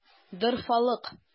Дорфалык!